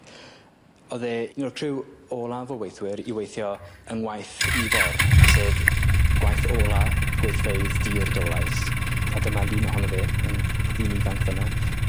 O'dd e un o'r criw olaf o weithwyr i weithio yng ngwaith Ifor, sef gwaith ola gweithfeydd dur Dowlais a dyma lun ohono fe yn ddyn ifanc fan 'na.